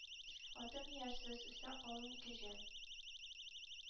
Атым — иярсез. Өстә — калын кәжән.